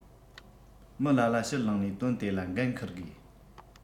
མི ལ ལ ཕྱིར ལང ནས དོན དེ ལ འགན འཁུར དགོས